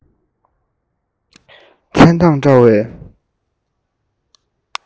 མཚན མདངས བཀྲ བའི